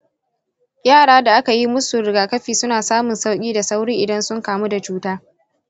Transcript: yara da aka yi musu rigakafi suna samun sauƙi da sauri idan sun kamu da cuta.